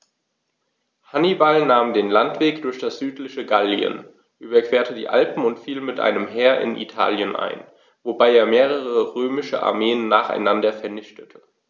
Hannibal nahm den Landweg durch das südliche Gallien, überquerte die Alpen und fiel mit einem Heer in Italien ein, wobei er mehrere römische Armeen nacheinander vernichtete.